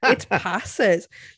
It passes.